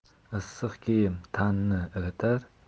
issiq kiyim tanni ilitar